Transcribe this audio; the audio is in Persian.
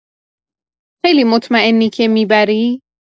خیلی مطمئنی که می‌بری؟